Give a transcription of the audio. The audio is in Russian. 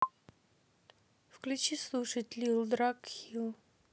включи слушать лил драг хилл